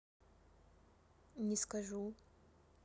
не скажу